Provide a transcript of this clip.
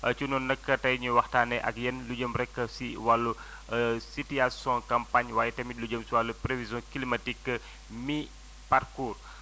ci noonu nag tey ñu waxtaanee ak yéen lu jëm rek si wàllu situation campagne waaye tamit lu jëm si wàllu prévision climatique mi parcours